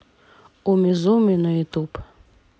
умизуми на ютуб